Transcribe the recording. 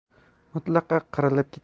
mutlaqo qirilib ketgan